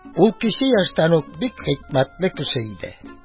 Ул кече яшьтән үк бик хикмәтле кеше иде.